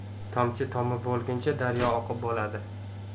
tomchi tomib bo'lguncha daryo oqib bo'ladi